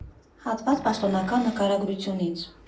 Հատված պաշտոնական նկարագրությունից.